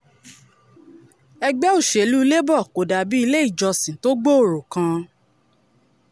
Ẹgbẹ́ òṣèlú Labour ko dàbíi ilé ìjọsín tó gbòòrò kan mọ.